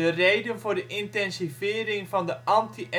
reden voor de intensivering van de anti-NSB